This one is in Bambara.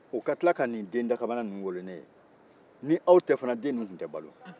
o ka tila ka nin den dakabana ninnu wolo ne ye n'aw tɛ fana den ninnu tun tɛ balo